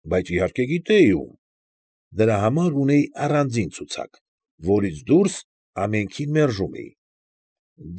Բայց, իհարկե, գիտեի ում։ Դրա համար ունեի առանձին ցուցակ, որից դուրս ամենքին մերժում էի։